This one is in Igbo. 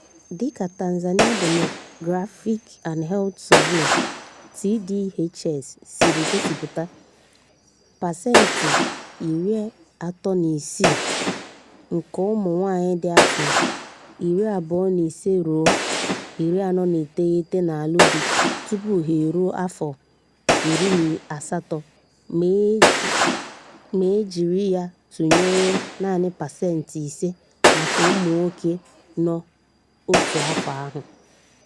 Dị ka Tanzania Demographic and Health Survey (TDHS) si gosipụta, pasentị 36 nke ụmụ nwaanyị dị afọ 25-49 na-alụ di tupu ha eruo afọ 18 ma e jiri ya tụnyere naanị pasentị 5 maka ụmụ nwoke nọ otu afọ ahụ.